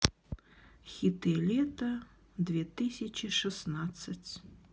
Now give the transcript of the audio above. хиты лета две тысячи шестнадцать